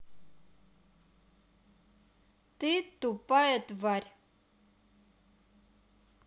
ты тупая тварь